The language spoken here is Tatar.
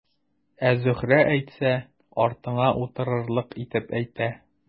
Ә Зөһрә әйтсә, артыңа утыртырлык итеп әйтә.